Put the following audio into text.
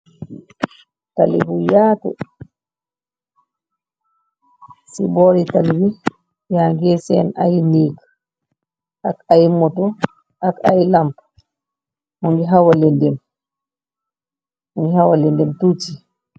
Taly bu yaatu, si boori taly bi ya ngi seen ay neeg, ak ay ooto, ak ay lampa, mingi xala lendamem, mingi xala lendem tuuti.